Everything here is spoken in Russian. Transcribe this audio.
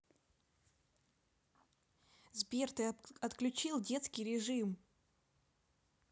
сбер ты отключил детский режим